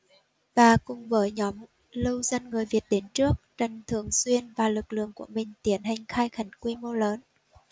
và cùng với nhóm lưu dân người việt đến trước trần thượng xuyên và lực lượng của mình tiến hành khai khẩn quy mô lớn